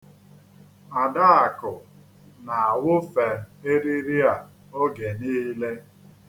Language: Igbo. Adaakụ na-awụfe eriri a oge niile.